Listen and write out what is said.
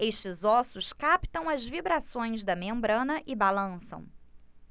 estes ossos captam as vibrações da membrana e balançam